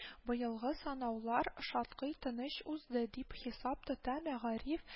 Быелгы снаулар шактый тыныч узды, дип хисап тота мәгариф